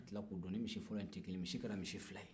ka tila k'o dun o ni misi fɔlɔ in tɛ kelen ye misi kɛra misi fila ye